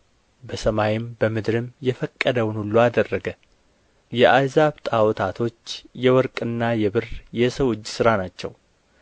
በሰማይም በምድርም የፈቀደውን ሁሉ አደረገ የአሕዛብ ጣዖታቶች የወርቅና የብር የሰው እጅ ሥራ ናቸው